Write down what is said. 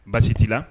Baasi t'i la